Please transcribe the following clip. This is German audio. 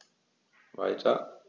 Weiter.